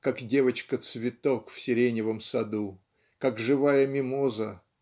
как девочка-цветок в сиреневом саду как живая мимоза